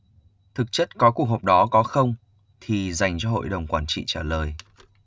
thực chất có cuộc họp đó có không thì dành cho hội đồng quản trị trả lời